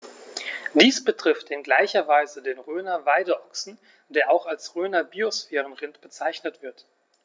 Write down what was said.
Dies betrifft in gleicher Weise den Rhöner Weideochsen, der auch als Rhöner Biosphärenrind bezeichnet wird.